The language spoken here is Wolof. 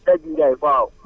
Diadji Ndiaye waaw